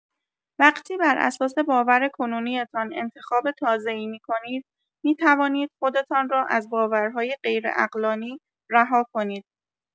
وقتی بر اساس باور کنونی‌تان انتخاب تازه‌ای می‌کنید، می‌توانید خودتان را از باورهای غیرعقلانی رها کنید.